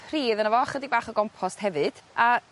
pridd yna fo chydig bach o gompost hefyd a